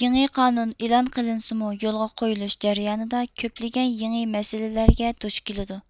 يېڭى قانۇن ئېلان قىلىنسىمۇ يولغا قويۇلۇش جەريانىدا كۆپلىگەن يېڭى مەسىلىلەرگە دۈچ كېلىدۇ